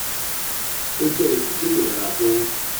Ó jẹ́ ipò tí kò dára tó."